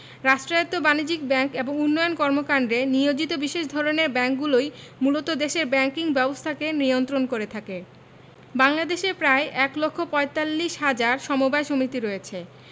রাষ্ট্রায়ত্ত বাণিজ্যিক ব্যাংক এবং উন্নয়ন কর্মকান্ডে নিয়োজিত বিশেষ ধরনের ব্যাংকগুলোই মূলত দেশের ব্যাংকিং ব্যবস্থাকে নিয়ন্ত্রণ করে থাকে বাংলাদেশে প্রায় এক লক্ষ পয়তাল্লিশ হাজার সমবায় সমিতি রয়েছে